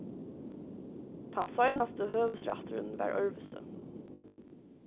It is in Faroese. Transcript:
tann seinasti høvuðsrætturin var øðrvísi